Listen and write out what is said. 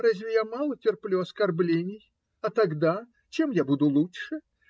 Разве я мало терплю оскорблений? А тогда! Чем я буду лучше?